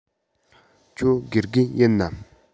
ཁྱོད དགེ རྒན ཡིན ནམ